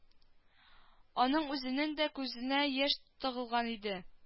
Аның үзенең дә күзенә яшь тыгылган иде